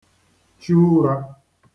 chu ụrā